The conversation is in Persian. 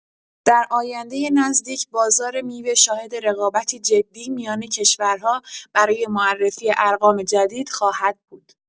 در آینده نزدیک بازار میوه شاهد رقابتی جدی میان کشورها برای معرفی ارقام جدید خواهد بود.